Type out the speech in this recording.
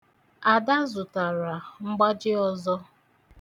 Ada zụtara mgbaji ọzọ.